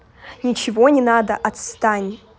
ничего не надо отстань